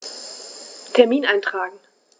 Termin eintragen